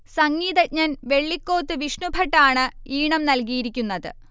സംഗീതജ്ഞൻ വെള്ളിക്കോത്ത് വിഷ്ണുഭട്ട് ആണ് ഈണം നല്കിയിരിക്കുന്നത്